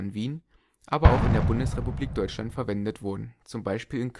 Wien), aber auch in der Bundesrepublik Deutschland verwendet wurden, zum Beispiel